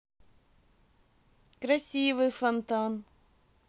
красивый фонтан